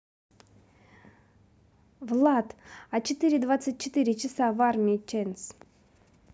влад а четыре двадцать четыре часа в армии chance